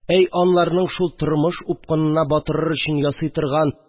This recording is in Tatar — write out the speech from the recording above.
Әй анларның шул тормыш упкынына батырыр өчен ясый торган